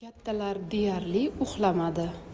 kattalar deyarli uxlashmadi